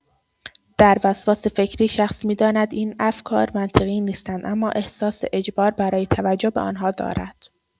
در وسواس فکری، شخص می‌داند این افکار منطقی نیستند، اما احساس اجبار برای توجه به آن‌ها دارد.